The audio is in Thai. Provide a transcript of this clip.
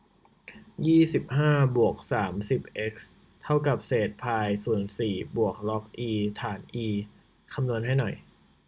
ยี่สิบห้าบวกสามสิบเอ็กซ์เท่ากับเศษพายส่วนสี่บวกล็อกอีฐานอีคำนวณให้หน่อย